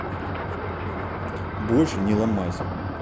больше не ломайся